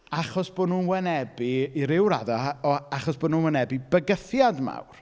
Achos bod nhw'n wynebu, i ryw raddau ha- o- achos bo' nhw'n wynebu bygythiad mawr.